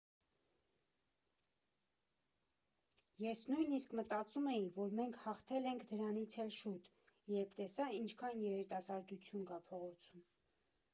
Ես նույնիսկ մտածում էի, որ մենք հաղթել ենք դրանից էլ շուտ, երբ տեսա՝ ինչքան երիտասարդություն կա փողոցում։